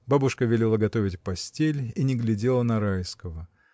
Бабушка велела готовить постель и не глядела на Райского.